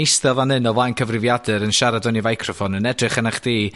eista fan 'yn o flaen cyfrifiadur, yn siarad mewn i feicroffon, yn edrych arnach chdi